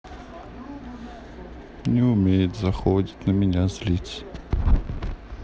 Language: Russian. не умеет заходит на меня злится